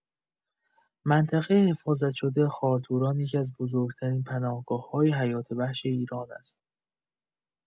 منطقه حفاظت‌شده خارتوران یکی‌از بزرگ‌ترین پناهگاه‌های حیات‌وحش ایران است.